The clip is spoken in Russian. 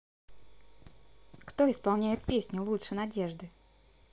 кто исполняет песню лучше надежды